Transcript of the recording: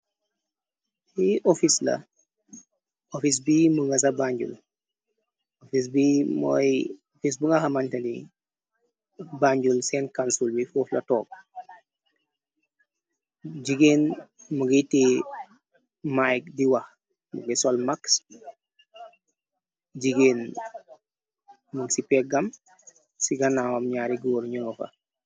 Faofis bi mu nga sa banjul, ofis bi mooyofis bu nga xamañtali, bànjul saen cansul wi fouf la took, jigeen mu giti mike di wax, mu gi sol max, jigéen mug ci peggam, ci ganaawam ñaari góoru ñëno fa.